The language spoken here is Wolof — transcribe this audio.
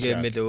incha allah